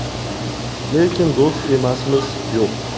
lekin do'st emasmiz yo'q